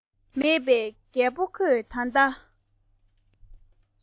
མེད པས རྒད པོ ཁོས ད ལྟ